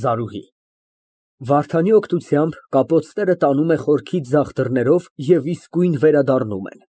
ԶԱՐՈՒՀԻ ֊ (Վարդանի օգնությամբ կապոցները տանում է խորքի ձախ դռներով և իսկույն վերադառնում են)։